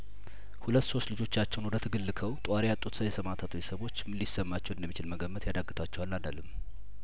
ሁለት ሶስት ልጆቻቸውን ወደ ትግል ልከው ጧሪ ያጡት ሰ የሰማእታት ቤተሰቦችምን ሊሰማቸው እንደሚችል መገመት ያዳግታችኋል አንልም